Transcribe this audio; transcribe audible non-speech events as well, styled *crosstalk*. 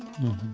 *hesitation* *hesitation*